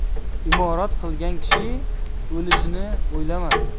imorat qilgan kishi o'lishini o'ylamas